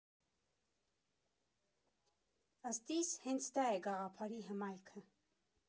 Ըստ իս՝ հենց դա է գաղափարի հմայքը։